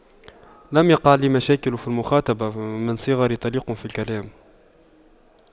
لم يقع لي مشاكل في المخاطبة من صغري طليق في الكلام